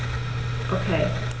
Okay.